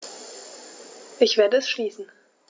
Ich werde es schließen.